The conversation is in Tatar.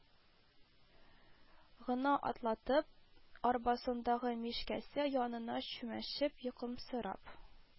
Гына атлатып, арбасындагы мичкәсе янына чүмәшеп йокымсырап